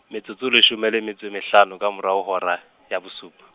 metsotso e leshome le metso e mehlano, ka morao ho hora, ya bosupa.